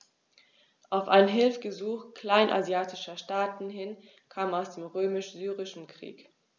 Auf ein Hilfegesuch kleinasiatischer Staaten hin kam es zum Römisch-Syrischen Krieg.